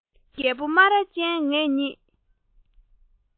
རྒད པོ སྨ ར ཅན ངེད གཉིས